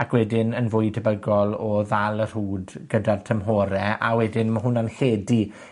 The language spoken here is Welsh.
Ac wedyn yn fwy debygol o ddal y rhwd gyda'r tymhore, a wedyn ma' hwnna'n lledu